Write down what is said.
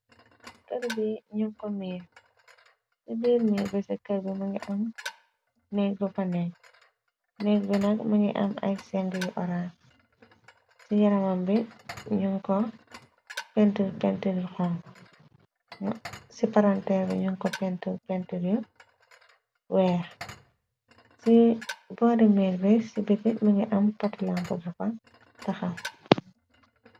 Kër bi ñu ko miir ci biir mir bis kër bi më ngi am nek bu panek nek bunag mëngi am ay zengyi horan ci yaramam bi ñuñ ko pentr pentru xong ci paranteer bi ñu ko pent pentru weex ci bori miir rs ci biti më ngi am pat lamp bu fal taxaw.